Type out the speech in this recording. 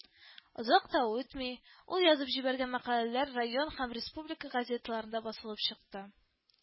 Озак та үтми ул язып җибәргән мәкаләләр район һәм республика газеталарында басылып чыкты